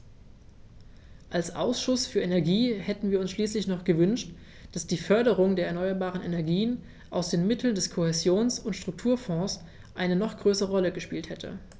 Als Ausschuss für Energie hätten wir uns schließlich noch gewünscht, dass die Förderung der erneuerbaren Energien aus den Mitteln des Kohäsions- und Strukturfonds eine noch größere Rolle gespielt hätte.